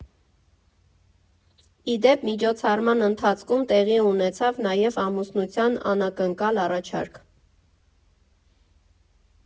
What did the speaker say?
Ի դեպ, միջոցառման ընթացքում տեղի ունեցավ նաև ամուսնության անակնկալ առաջարկ.